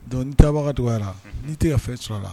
Don n tɛbagaturayara n'i tɛgɛ ka fɛtura la